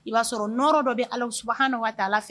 I b'a sɔrɔ nɔɔrɔ dɔ bɛ alasu ha ka ta ala fɛ